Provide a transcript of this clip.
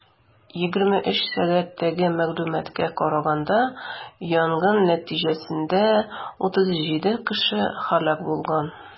23:00 сәгатьтәге мәгълүматка караганда, янгын нәтиҗәсендә 37 кеше һәлак булган.